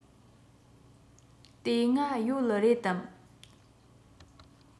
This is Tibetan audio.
དེ སྔ ཡོད རེད དམ